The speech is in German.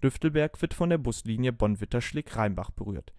Lüftelberg wird von der Buslinie Bonn-Witterschlick-Rheinbach berührt